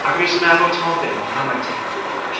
ac o'n i jyst yn meddwl timod be mae hwnna'n like teimlad rili lysh...